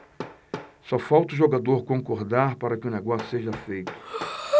só falta o jogador concordar para que o negócio seja feito